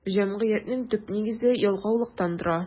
Җәмгыятьнең төп нигезе ялкаулыктан тора.